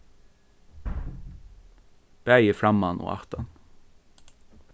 bæði framman og aftan